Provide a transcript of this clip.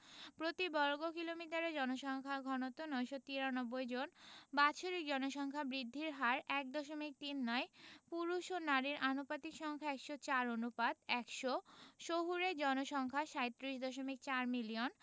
প্রতি বর্গ কিলোমিটারে জনসংখ্যার ঘনত্ব ৯৯৩ জন বাৎসরিক জনসংখ্যা বৃদ্ধির হার ১দশমিক তিন নয় পুরুষ ও নারীর আনুপাতিক সংখ্যা ১০৪ অনুপাত ১০০ শহুরে জনসংখ্যা ৩৭দশমিক ৪ মিলিয়ন